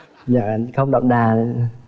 dạ không đậm đà